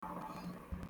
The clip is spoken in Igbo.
Efere gị adịghị ọcha.